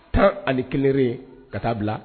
Tan ale kelenre ka taa bila